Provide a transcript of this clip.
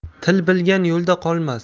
til bilgan yo'lda qolmas